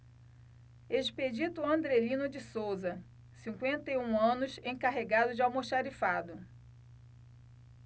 expedito andrelino de souza cinquenta e um anos encarregado de almoxarifado